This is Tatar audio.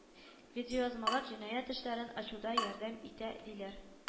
Видеоязмалар җинаять эшләрен ачуда да ярдәм итә диләр